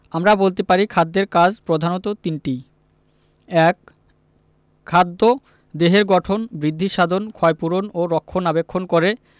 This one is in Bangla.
আমরা বলতে পারি খাদ্যের কাজ প্রধানত তিনটি ১. খাদ্য দেহের গঠন বৃদ্ধিসাধন ক্ষয়পূরণ ও রক্ষণাবেক্ষণ করে